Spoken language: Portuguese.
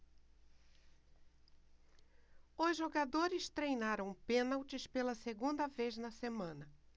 os jogadores treinaram pênaltis pela segunda vez na semana